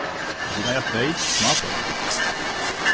men tit eiga tvey smábørn